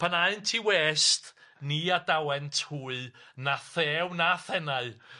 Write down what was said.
Pan aent i west ni adawent hwy na thew na thenau